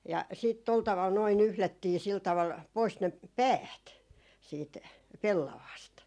ja sitten tuolla tavalla nuo nyhdettiin sillä tavalla pois ne päät siitä pellavasta